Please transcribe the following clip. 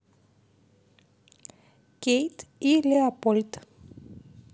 кейт и леопольд